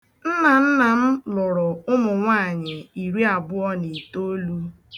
Nna nna m lụrụ ụmụnwaanyị iri abụọ na itoolu.